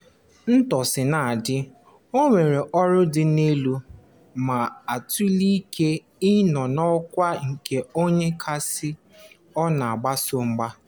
Etuosinadị, o nwere ọrụ dị elu ma a tụlee ike ị nọ n'ọkwa nke onye keisi ọ na-agbaso mgba.